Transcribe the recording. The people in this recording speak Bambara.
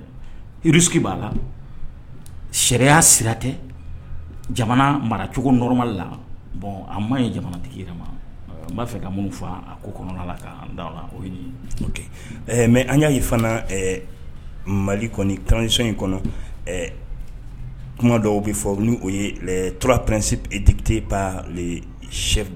Sɛ tɛ jamana maracogoɔrɔma la bɔn an' ye jamana tigi ma n b'a fɛ ka minnu faa ko kɔnɔna la da la mɛ an y'a fana mali kɔni kalanransɔn in kɔnɔ kuma dɔw bɛ fɔ ni toraura ppɛsikiteba le sɛ